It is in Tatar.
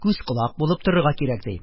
Күз-колак була торырга кирәк, ди.